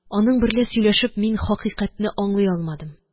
Аның берлә сөйләшеп, мин хакыйкатьне аңлый алмадым